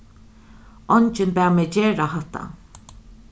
eingin bað meg gera hatta